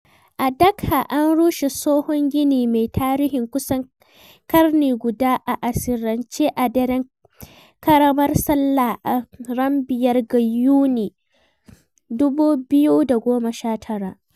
A Dhaka, an rushe tsohon gini mai tarihin kusan ƙarni guda a asirce a daren ƙaramar salla a 5 ga Yuni, 2019.